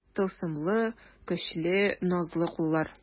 Тылсымлы, көчле, назлы куллар.